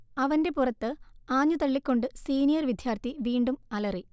അവന്റെ പുറത്ത്ആഞ്ഞു തള്ളിക്കൊണ്ടു സീനിയർ വിദ്യാർത്ഥി വീണ്ടും അലറി